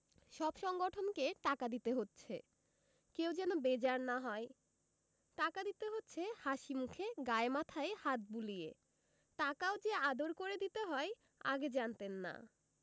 সব সংগঠনকে টাকা দিতে হচ্ছে কেউ যেন বেজার না হয় টাকা দিতে হচ্ছে হাসিমুখে গায়ে মাথায় হাত বুলিয়ে টাকাও যে আদর করে দিতে হয় আগে জানতেন না